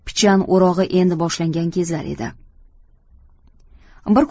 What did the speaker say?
pichan o'rog'i endi boshlangan kezlar edi